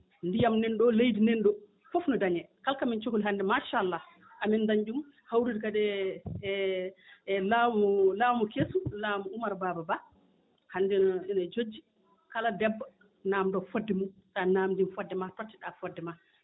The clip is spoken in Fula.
ndiaym nan ɗoo leydi nan ɗoo fof no dañee kala ko min cohli hannde machalla amin daña ɗum hawrude kadi e e e laamu laamu kesu laamu Oumar Baba Ba hannde noon eɗen cojji kala debbo naamndoo fodde mum so a naamndiima fodde maa totteɗaa fodde maa